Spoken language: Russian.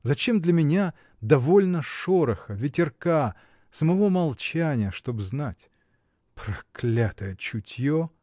Зачем для меня довольно шороха, ветерка, самого молчания, чтоб знать? Проклятое чутье!